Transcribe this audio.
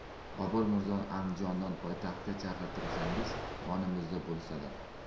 bobur mirzoni andijondan poytaxtga chaqirtirsangiz yonimizda bo'lsalar